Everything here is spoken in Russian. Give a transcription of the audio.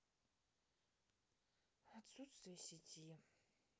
отсутствие сети